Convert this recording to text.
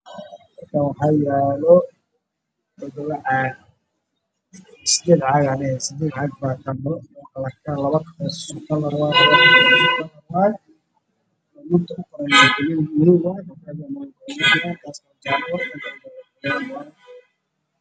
Meeshaan waxaa ka muuqda garaafooyin ka fara badan oo is dul saaran mid waa gidiid mid waa bulu mid waa cagaar midna waa gaduud